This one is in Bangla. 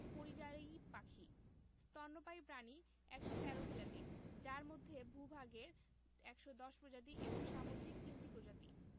পরিযায়ী পাখি স্তন্যপায়ী প্রাণী ১১৩ প্রজাতির যার মধ্যে ভূ ভাগের ১১০ প্রজাতি ও সামুদ্রিক ৩ টি প্রজাতি